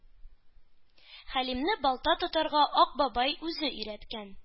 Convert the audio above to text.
Хәлимне балта тотарга Ак бабай үзе өйрәткән.